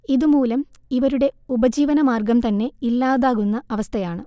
ഇതുമൂലം ഇവരുടെ ഉപജീവനമാർഗം തന്നെ ഇല്ലാതാകുന്ന അവസഥയാണ്